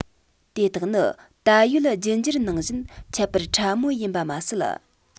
དེ དག ནི ད ཡོད རྒྱུད འགྱུར ནང བཞིན ཁྱད པར ཕྲ མོ ཡིན པ མ ཟད